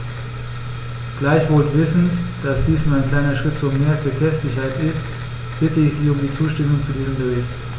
Gleichwohl wissend, dass dies nur ein kleiner Schritt zu mehr Verkehrssicherheit ist, bitte ich Sie um die Zustimmung zu diesem Bericht.